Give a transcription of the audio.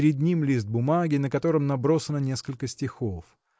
Перед ним лист бумаги, на котором набросано несколько стихов.